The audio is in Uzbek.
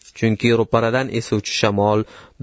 chunki ro'paradan esuvchi shamol